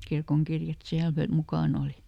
kirkonkirjat siellä - mukana oli